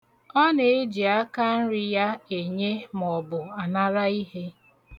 O na-ejikari akanri ya enye ma ọ bụ anara ihe.